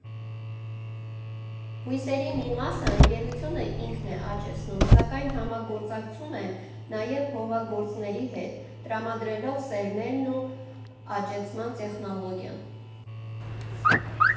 Բույսերի մի մասը ընկերությունը ինքն է աճեցնում, սակայն համագործակցում է նաև հողագործների հետ, տրամադրելով սերմերն ու աճեցման տեխնոլոգիան։